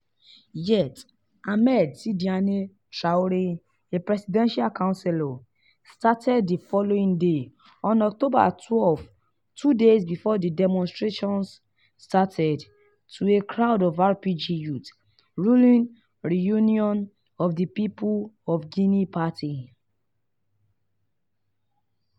Yet, Ahmed Tidiane Traoré, a presidential counselor, stated the following day on October 12, —two days before the demonstrations started, — to a crowd of RPG youth [ruling Reunion of the People of Guinea party]: